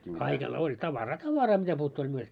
- oli tavaraa tavaraa mitä puuttuu oli -